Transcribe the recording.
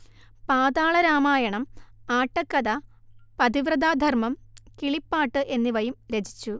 പാതാളരാമായണം ആട്ടക്കഥ പതിവ്രതാധർമം കിളിപ്പാട്ട് എന്നിവയും രചിച്ചു